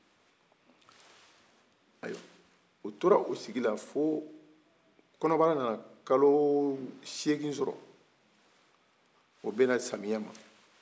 ayiwa u tora o sigi la fo kɔnɔnbara nana kalo segin sɔrɔ o bɛna samiyɛn ma